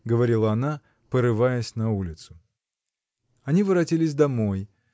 — говорила она, порываясь на улицу. Они воротились домой.